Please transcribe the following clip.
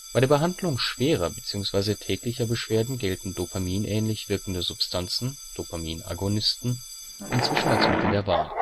Behandlung schwerer bzw. täglicher Beschwerden gelten Dopamin-ähnlich wirkende Substanzen (Dopaminagonisten) inzwischen als Mittel der Wahl